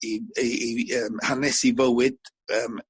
'i ei ei yym hanes i fywyd yym